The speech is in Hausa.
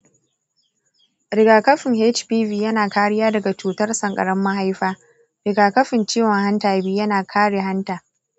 rigakafin hpv yana kariya daga cutar sankarar mahaifa; rigakafin ciwon hanta b kuma yana kare hanta.